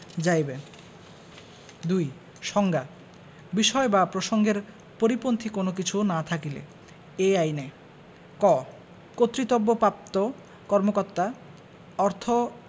যাইবে ২ সংজ্ঞাঃ বিষয় বা প্রসংগের পরিপন্থী কোন কিছু না থাকিলে এই আইনেঃ ক কর্তৃত্তবপ্রাপ্ত কর্মকর্তা অর্থ